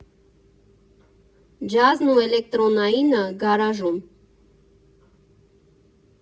Ջազն ու էլեկտրոնայինը՝ Գարաժում։